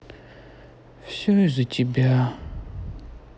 все из за тебя